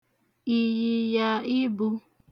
ị̀yị̀yà ibū